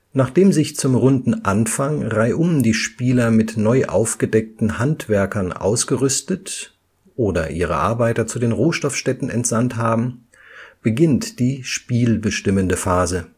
Nachdem sich zum Rundenanfang reihum die Spieler mit neu aufgedeckten Handwerkern ausgerüstet oder ihre Arbeiter zu den Rohstoffstädten entsandt haben, beginnt die spielbestimmende Phase